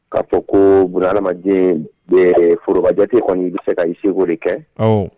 K' fɔ ko b adamadamaden bɛ foroorobajate kɔni bɛ se ka i se o de kɛ